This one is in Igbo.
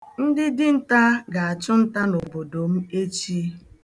Ndị dinta ga-achụ nta n'obodo m echi.